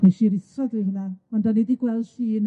Wnes i ritho drwy hwnna, ond 'dan ni 'di gweld llun...